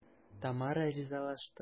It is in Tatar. Тамара ризалашты.